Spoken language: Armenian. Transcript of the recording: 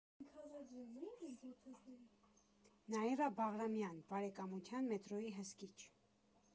Նաիրա Բաղրամյան, Բարեկամության մետրոյի հսկիչ։